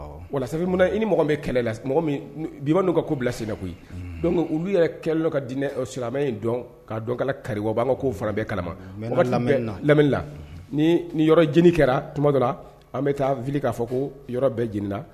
Wa munna i ni mɔgɔ bɛ kɛlɛ la biban ka ko bila sɛmɛ koyi don olu yɛrɛ kɛlɛla ka diinɛ silamɛmɛ dɔn ka dɔ kari b'an ma ko farabɛ kalama lamla ni yɔrɔ j kɛra tuma an bɛ taa fili k'a fɔ ko yɔrɔ bɛɛ j na